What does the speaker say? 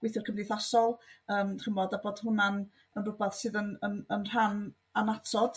gweithwyr cymdeithasol yym ch'mod a bod hwnna'n yn r'wbath sydd yn y yn rhan anatod